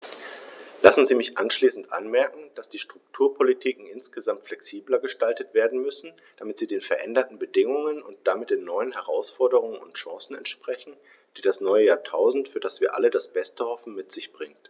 Lassen Sie mich abschließend anmerken, dass die Strukturpolitiken insgesamt flexibler gestaltet werden müssen, damit sie den veränderten Bedingungen und damit den neuen Herausforderungen und Chancen entsprechen, die das neue Jahrtausend, für das wir alle das Beste hoffen, mit sich bringt.